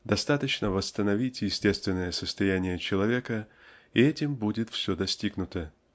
достаточно восстановить естественное состояние человека и этим будет все достигнуто.